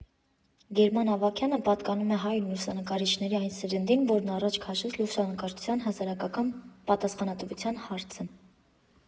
Գերման Ավագյանը պատկանում է հայ լուսանկարիչների այն սերնդին, որն առաջ քաշեց լուսանկարչության հասարակական պատասխանատվության հարցը։